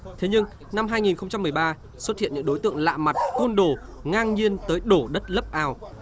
thế nhưng năm hai nghìn không trăm mười ba xuất hiện những đối tượng lạ mặt côn đồ ngang nhiên tới đổ đất lấp ao